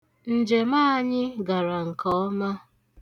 Njem anyị gara nke ọma.